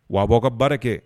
Wa a b'a aw ka baara kɛ!